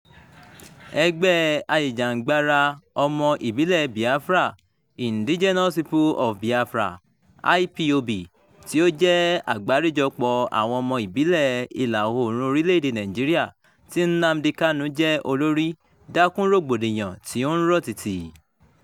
Ẹgbẹ́ ajìjàngbara ọmọ ìbílẹ̀ Biafra Indigenous People of Biafra (IPOB), tí ó jẹ́ àgbáríjọpọ̀ àwọn ọmọ ìbílẹ̀ ìlà-oòrùn orílẹ̀-èdèe Nàìjíríà tí Nnamdi Kanu jẹ́ olórí, dá kún rògbòdìyàn tí ó ń rọ́ tìtì.